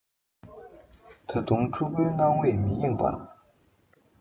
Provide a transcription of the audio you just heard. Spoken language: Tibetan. ད དུང ཕྲུ གུའི སྣང བས མ ཡེངས པར